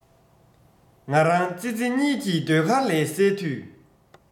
ང རང ཙི ཙི གཉིས ཀྱི ཟློས གར ལས སད དུས